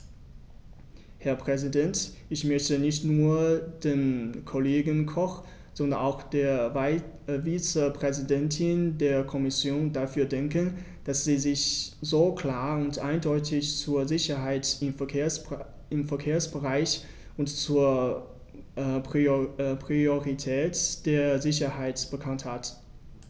Herr Präsident, ich möchte nicht nur dem Kollegen Koch, sondern auch der Vizepräsidentin der Kommission dafür danken, dass sie sich so klar und eindeutig zur Sicherheit im Verkehrsbereich und zur Priorität der Sicherheit bekannt hat.